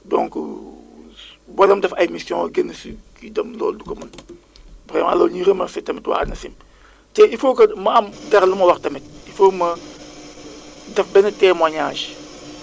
donc boo doon def ay missions génn si kii dem loolu du ko mën vraiment loolu ñuy remercier tamit waa ANACIM te il faut que ma am dara lu ma wax tamit il faut ma def benn témoignage